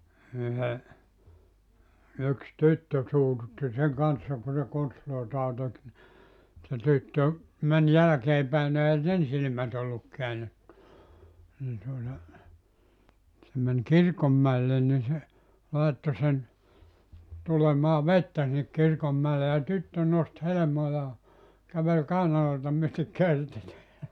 yhden yksi tyttö suututti sen kanssa kun se konstejaan teki niin se tyttö meni jälkeen päin no eihän sen silmät ollut käännetty niin tuota se meni kirkonmäelle niin se laittoi sen tulemaan vettä sinne - kirkonmäelle ja tyttö nosti helmojaan käveli kainaloita myöten körtit